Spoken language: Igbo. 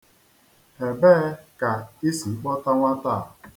Ebee ka i si kpọta nwata a?